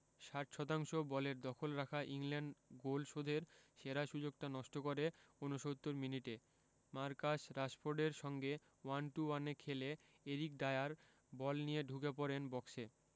৬০ শতাংশ বলের দখল রাখা ইংল্যান্ড গোল শোধের সেরা সুযোগটা নষ্ট করে ৬৯ মিনিটে মার্কাস রাশফোর্ডের সঙ্গে ওয়ান টু ওয়ানে খেলে এরিক ডায়ার বল নিয়ে ঢুকে পড়েন বক্সে